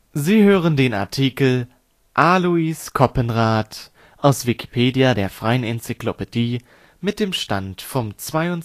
Sie hören den Artikel Aloys Coppenrath, aus Wikipedia, der freien Enzyklopädie. Mit dem Stand vom Der